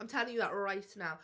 I'm telling you that right now.